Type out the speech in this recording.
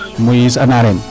Moise a Nareem.